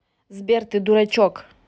сбер ты дурачок